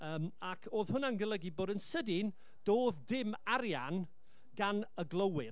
yym ac oedd hwnna'n golygu bod yn sydyn doedd dim arian gan y glowyr,